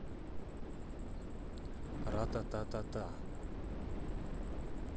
ратататата